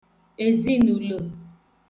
èzinùulō